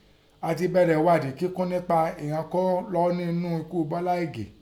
A ti bẹ̀rẹ̀ ẹ̀ghádìí kíkún nẹ́pa ìghọn kọ́ lọ́ọ́ ńnú ekú Bọ́lá Ìgè.